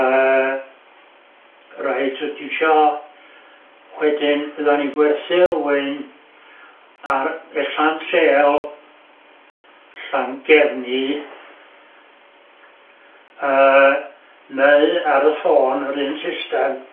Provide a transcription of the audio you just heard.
Yy reit wti isio wedyn fyddan ni'n gwerthu'r wŷn ar y ella'n sêl Llangefni yy neu ar y ffôn yr un sysdem.